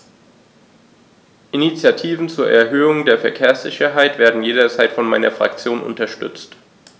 Initiativen zur Erhöhung der Verkehrssicherheit werden jederzeit von meiner Fraktion unterstützt.